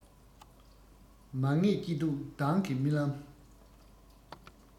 མ ངེས སྐྱིད སྡུག མདང གི རྨི ལམ